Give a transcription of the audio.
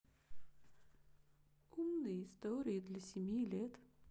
умные истории для семи лет